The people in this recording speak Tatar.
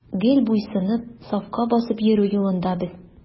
Гел буйсынып, сафка басып йөрү юлында без.